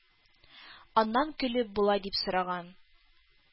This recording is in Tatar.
Аннан көлеп болай дип сораган: